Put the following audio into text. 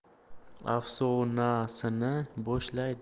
afsonasini boshlaydi